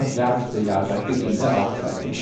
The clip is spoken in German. wärmste Jahr seit Beginn der Aufzeichnungen